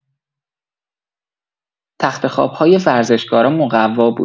تخت خواب‌های ورزشکارا مقوا بود